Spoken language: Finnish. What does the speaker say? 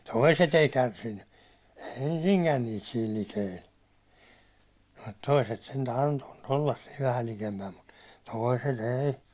toiset ei kärsinyt ensinkään niitä siinä likellä mutta toiset sentään antoivat olla siinä vähän likempänä mutta toiset ei